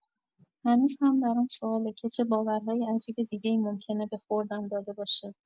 هنوز هم برام سواله که چه باورهای عجیب دیگه‌ای ممکنه به خوردم داده باشه.